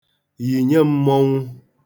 yìnye m̄mọ̄nwụ̄